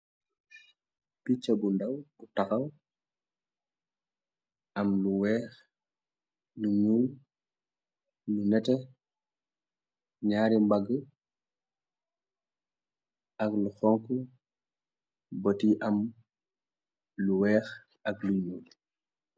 Pichai bu ndaw bu taxaw, am lu weex, nuul, nu nete, naari mbagg ak lu xonxo boti am lu weex ak luy nuul.